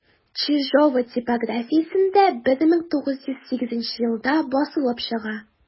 Чижова типографиясендә 1908 елда басылып чыга.